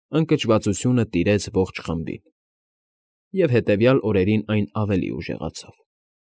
Ընկճվածությունը տիրեց ողջ խմբին, և հետևյալ օրերին այն ավելի ուժեղացավ։